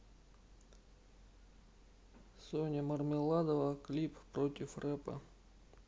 соня мармеладова клип против рэпа